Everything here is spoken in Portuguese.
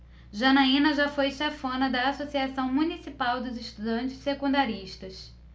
janaina foi chefona da ames associação municipal dos estudantes secundaristas